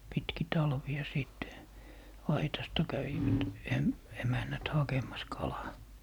pitkin talvea sitten aitasta kävivät - emännät hakemassa kalaa